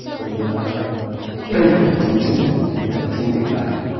không được đây không phải chuối chùa mà là chuối để bán